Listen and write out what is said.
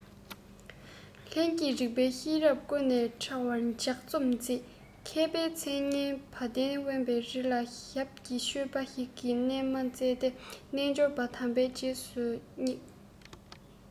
ལྷན སྐྱེས རིགས པའི ཤེས རབ སྐུ ན ཕྲ བར ལྗགས རྩོམ མཛད མཁས པའི མཚན སྙན བ དན དབེན པའི རི ལ ཞབས ཀྱིས ཆོས པ ཞིག གི གནས མལ བཙལ ཏེ རྣལ འབྱོར དམ པའི རྗེས སུ བསྙེགས